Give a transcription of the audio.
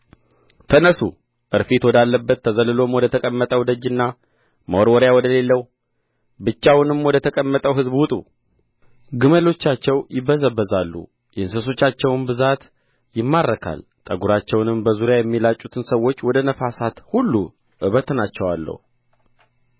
ተነሡ ዕርፊት ወዳለበት ተዘልሎም ወደ ተቀመጠው ደጅና መወርወሪያ ወደሌለው ብቻውንም ወደ ተቀመጠው ሕዝብ ውጡ ግመሎቻቸው ይበዘበዛሉ የእንስሶቻቸውም ብዛት ይማረካል ጠጉራቸውንም በዙሪያ የሚላጩትን ሰዎች ወደ ነፋሳት ሁሉ እበትናቸዋለሁ